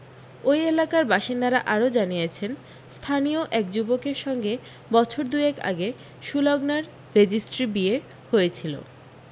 ওই এলাকার বাসিন্দারা আরও জানিয়েছেন স্থানীয় এক যুবকের সঙ্গে বছর দুয়েক আগে সুলগনার রেজিস্ট্রি বিয়ে হয়েছিলো